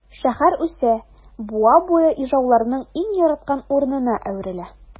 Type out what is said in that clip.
Шәһәр үсә, буа буе ижауларның иң яраткан урынына әверелә.